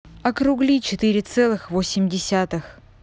округли четыре целых восемь десятых